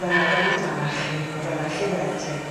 Fyddai'n meddwl amdanach chi a welai chi wedyn.